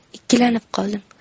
ikkilanib qoldim